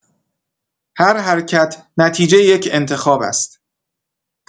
هر حرکت، نتیجه یک انتخاب است؛